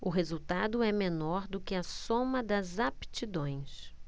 o resultado é menor do que a soma das aptidões